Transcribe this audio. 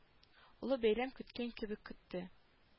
Олы бәйрәм көткән кебек көтте